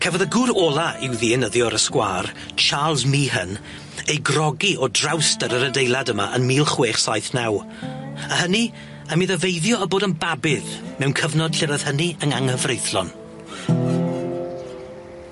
Cafodd y gŵr ola i'w ddienyddio ar y sgwâr Charles Meehan ei grogi o drawst ar yr adeilad yma yn mil chwech saith naw a hynny am iddo feiddio o bod yn babydd mewn cyfnod lle roedd hynny yn angyfreithlon.